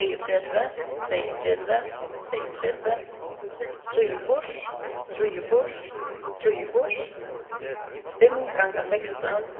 tveyogtretivu tveyogtretivu tveyogtretivu trýogfýrs trýogfýrs trýogfýrs fimm ganga sekstan